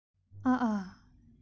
ཨ ཨ